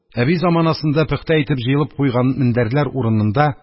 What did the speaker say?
Әби заманасында пөхтә итеп җыелып куелган мендәрләр урынында